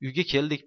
uyga keldik